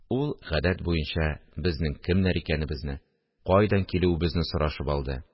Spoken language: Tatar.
Ул, гадәт буенча, безнең кемнәр икәнебезне, кайдан килүебезне сорашып алды